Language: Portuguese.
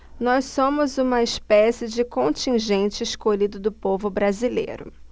nós somos uma espécie de contingente escolhido do povo brasileiro